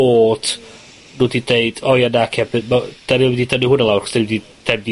bot nw 'di deud o ie naci 'dan ni mynd i dynnu wnna lawr achos 'dan ni 'di